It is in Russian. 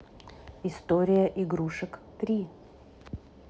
история игрушек три